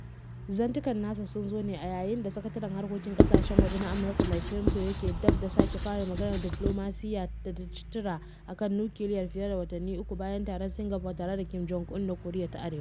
Zantukan nasa sun zo ne a yayin da Sakataren Harkokin Ƙasashen Waje na Amurka Mike Pompeo yake dab da sake fara maganar diflomasiyyar da ta ci tura a kan nukiliyar fiye da watanni uku bayan taron Singapore tare da Kim Jong Un na Koriya ta Arewa.